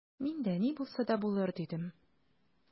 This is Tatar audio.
Мин дә: «Ни булса да булыр»,— дидем.